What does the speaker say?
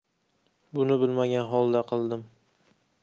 buni bilmagan holda qildim